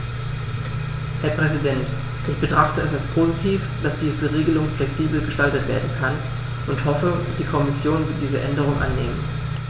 Herr Präsident, ich betrachte es als positiv, dass diese Regelung flexibel gestaltet werden kann und hoffe, die Kommission wird diese Änderung annehmen.